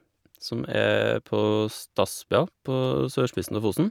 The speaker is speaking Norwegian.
Som er på Stadsbygda, på sørspissen av Fosen.